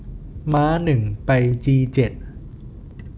ม้าหนึ่งไปจีเจ็ด